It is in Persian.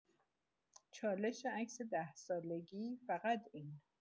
چالش عکس ۱۰ سالگی فقط این